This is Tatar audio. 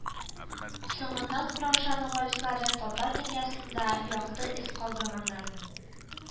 Соңыннан Курамшаның варислары татар дөньясында якты эз калдырганнар